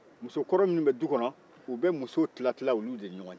muso fɔlɔ minnu bɛ du kɔnɔ u bɛ musow tilan-tilan olu de ni ɲɔgɔ cɛ